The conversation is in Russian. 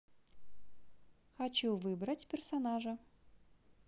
хочу выбрать персонажа